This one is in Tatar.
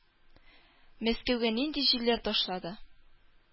Мәскәүгә нинди җилләр ташлады?